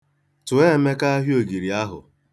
Tụọ Emenike ahịa ogiri ahụ.